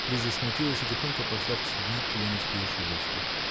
Лиза смутилась и тихонько пошла в цветник к Леночке и Шурочке.